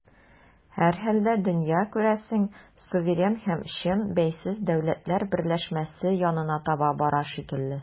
Һәрхәлдә, дөнья, күрәсең, суверен һәм чын бәйсез дәүләтләр берләшмәсенә янына таба бара шикелле.